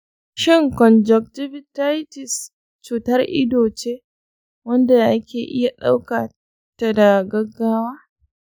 shin conjunctivitis cutar ido ce wadda ake iya daukar ta da gaggawa?